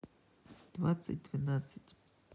двадцать двенадцать